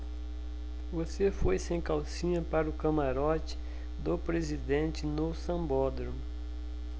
você foi sem calcinha para o camarote do presidente no sambódromo